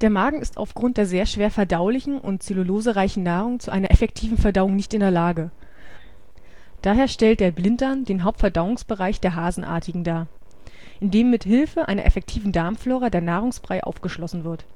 Magen ist aufgrund der sehr schwer verdaulichen und zellulosereichen Nahrung zu einer effektiven Verdauung nicht in der Lage, daher stellt der Blinddarm den Hauptverdauungsbereich der Hasenartigen dar (Caecotrophie), in dem mit Hilfe einer effektiven Darmflora der Nahrungsbrei aufgeschlossen wird